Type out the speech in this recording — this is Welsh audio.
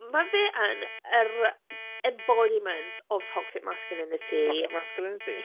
Ma' fe yn yr, embodiment of toxic masculinity.... Toxic masculinity!